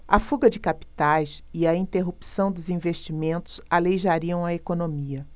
a fuga de capitais e a interrupção dos investimentos aleijariam a economia